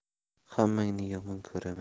hammangni yomon ko'raman